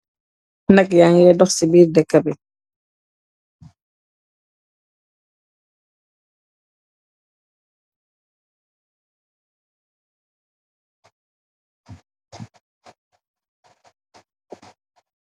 Nak ya ngeh dox ci birr dekka bi.